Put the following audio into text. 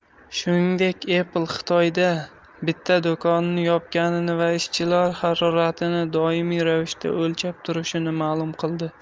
shuningdek apple xitoyda bitta do'konini yopganligini va ishchilar haroratini doimiy ravishda o'lchab turganini ma'lum qildi